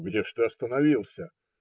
- Где же ты остановился?